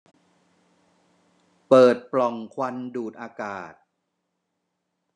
เปิดปล่องควันดูดอากาศ